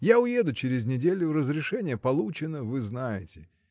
Я уеду через неделю: разрешение получено, вы знаете.